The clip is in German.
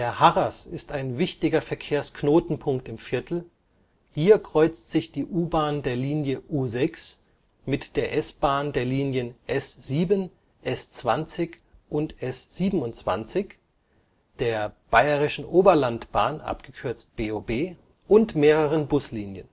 Harras ist ein wichtiger Verkehrsknotenpunkt im Viertel, hier kreuzt sich die U-Bahn der Linie U6 mit der S-Bahn der Linien S7, S20 und S27, der Bayerischen Oberlandbahn (BOB) und mehreren Buslinien